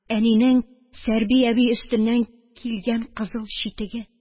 Әнинең Сәрви әби өстеннән килгән кызыл читеге.